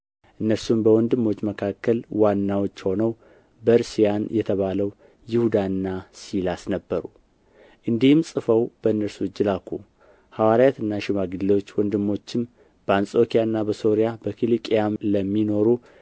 እነርሱም በወንድሞች መካከል ዋናዎች ሆነው በርስያን የተባለው ይሁዳና ሲላስ ነበሩ እንዲህም ጽፈው በእነርሱ እጅ ላኩ ሐዋርያትና ሽማግሌዎች ወንድሞችም በአንጾኪያና በሶርያ በኪልቅያም ለሚኖሩ